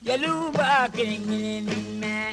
Jeliw b'a kɛɲɛn mɛn